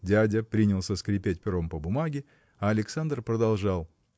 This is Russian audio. Дядя принялся скрипеть пером по бумаге, а Александр продолжал